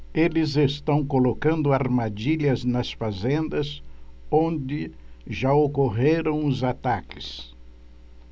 eles estão colocando armadilhas nas fazendas onde já ocorreram os ataques